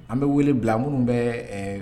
An bɛ wele bila minnu bɛ